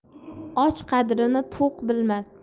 och qadrini to'q bilmas